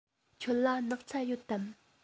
ཁྱེད ལ སྣག ཚ ཡོད དམ